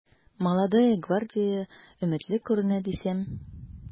“молодая гвардия” өметле күренә дисәм...